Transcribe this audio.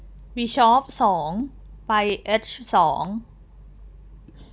บิชอปสองไปเอชสอง